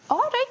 O reit